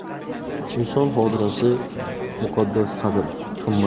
inson xotirasi muqaddas qadr